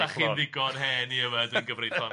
Os dach chi'n ddigon hen i yfed yn gyfreithlon.